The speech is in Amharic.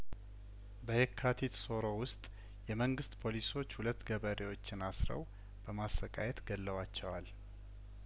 በየካቲት ሶሮ ውስጥ የመንግስት ፖሊሶች ሁለት ገበሬዎችን አስረው በማሰቃየት ገለዋቸዋል